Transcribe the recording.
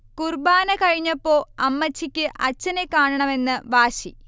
കുർബ്ബാന കഴിഞ്ഞപ്പോ അമ്മച്ചിക്ക് അച്ചനെ കാണണമെന്ന് വാശി